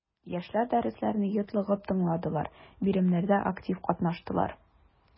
Яшьләр дәресләрне йотлыгып тыңладылар, биремнәрдә актив катнаштылар.